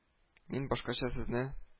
— мин башкача сезне